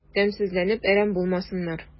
Тәмсезләнеп әрәм булмасыннар...